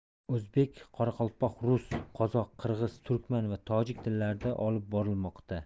o'zbek qoraqalpoq rus qozoq qirg'iz turkman va tojik tillarida olib borilmoqda